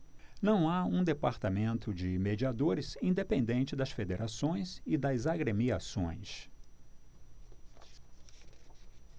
não há um departamento de mediadores independente das federações e das agremiações